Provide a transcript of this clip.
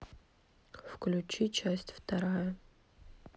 включи часть вторая